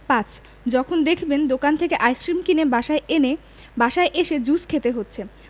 ৫. যখন দেখবেন দোকান থেকে আইসক্রিম কিনে বাসায় এনে বাসায় এসে জুস খেতে হচ্ছে